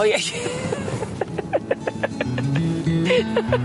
O ie.